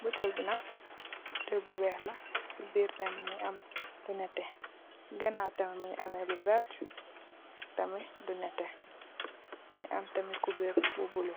buteel bi nak, buteel bu weex, si biir tamin mingi lu nete, si gannaw tamit, lu verta, ay tam lu nete, mingi am tamit kubeer bu bula.